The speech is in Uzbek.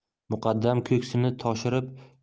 muqaddam ko'ksini toshirib